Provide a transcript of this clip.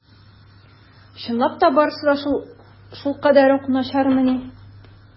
Чынлап та барысы да шулкадәр үк начармыни?